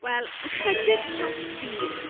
Wel, ychydig dros fil.